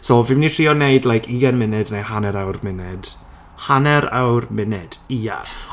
So fi'n mynd i trio wneud like, ugain munud, neu hanner awr munud. Hanner awr munud, ie.